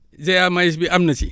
GA maïs bi am na ci